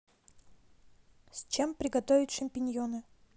с чем приготовить шампиньоны